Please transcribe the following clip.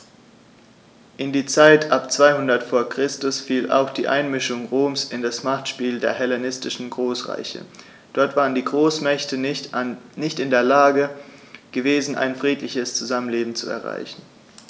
In die Zeit ab 200 v. Chr. fiel auch die Einmischung Roms in das Machtspiel der hellenistischen Großreiche: Dort waren die Großmächte nicht in der Lage gewesen, ein friedliches Zusammenleben zu erreichen.